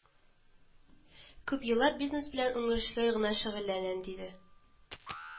Күп еллар бизнес белән уңышлы гына шөгыльләнәм, диде